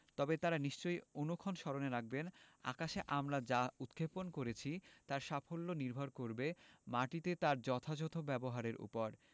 তবে তাঁরা নিশ্চয় অনুক্ষণ স্মরণে রাখবেন আকাশে আমরা যা উৎক্ষেপণ করেছি তার সাফল্য নির্ভর করবে মাটিতে তার যথাযথ ব্যবহারের ওপর